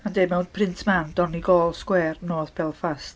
Ma'n deud mewn print mân Donegal Square, North Belfast.